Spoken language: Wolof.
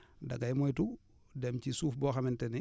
da ngay moytu dem ci suuf boo xamante ne